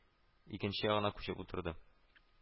—икенче ягына күчеп утырды